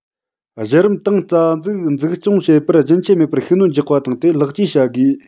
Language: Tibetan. གཞི རིམ ཏང རྩ འཛུགས འཛུགས སྐྱོང བྱེད པར རྒྱུན ཆད མེད པར ཤུགས སྣོན རྒྱག པ དང དེ ལེགས བཅོས བྱ དགོས